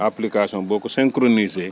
application boo ko synchroniser